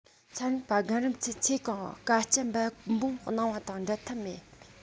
ཚན རིག པ རྒན རབས ཚོས ཚེ གང དཀའ སྤྱད འབད འབུངས གནང བ དང འབྲལ ཐབས མེད